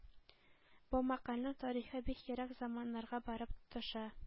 Бу мәкальнең тарихы бик ерак заманнарга барып тоташа.